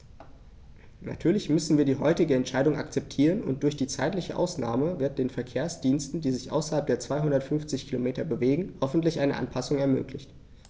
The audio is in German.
Natürlich müssen wir die heutige Entscheidung akzeptieren, und durch die zeitliche Ausnahme wird den Verkehrsdiensten, die sich außerhalb der 250 Kilometer bewegen, hoffentlich eine Anpassung ermöglicht.